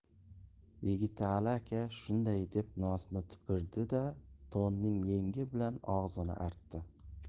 yigitali aka shunday deb nosni tupurdi da to'nining yengi bilan og'zini artdi